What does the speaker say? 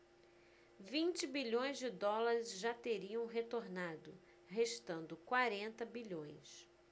vinte bilhões de dólares já teriam retornado restando quarenta bilhões